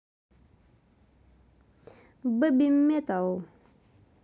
baby metal